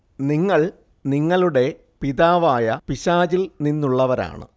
നിങ്ങൾ നിങ്ങളുടെ പിതാവായ പിശാചിൽ നിന്നുള്ളവരാണ്